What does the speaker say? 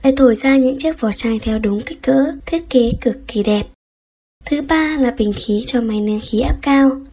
để thổi ra những chiếc vỏ chai theo đúng kích cỡ thiết kế cực kì đẹp thứ ba là bình khí cho máy nén khí áp cao